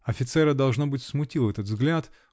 Офицера, должно быть, смутил этот взгляд